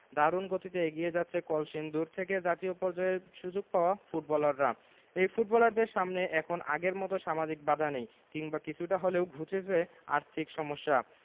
দারুণ গতিতে এগিয়ে যাচ্ছে কলসিন্দুর থেকে জাতীয় পর্যায়ে সুযোগ পাওয়া ফুটবলাররা এই ফুটবলারদের সামনে এখন আগের মতো সামাজিক বাধা নেই কিংবা কিছুটা হলেও ঘুচেছে আর্থিক সমস্যা